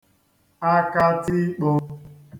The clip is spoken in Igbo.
akatikpō